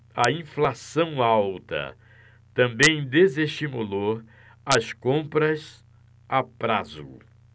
a inflação alta também desestimulou as compras a prazo